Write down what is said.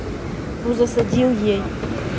ну засадил ей